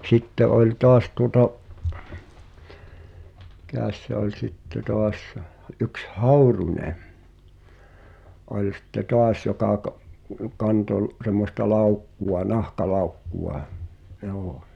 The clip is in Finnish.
sitten oli taas tuota mikäs se oli sitten taas se yksi Häyrynen oli sitten taas joka - kantoi - semmoista laukkua nahkalaukkua joo